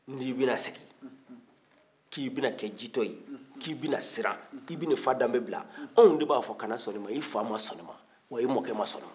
ni bɛna segin k'i bɛna kɛ jitɔ ye k'i bɛna siran k'i bɛna i fa danbe bila anw de b'a fɔ i ka na sɔn nin ma i fa ma sɔn nin ma wa i mɔkɛ ma sɔn nin ma